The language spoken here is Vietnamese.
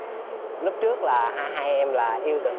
lúc trước là hai em là yêu